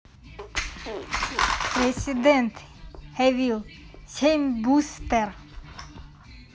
resident evil семь бустер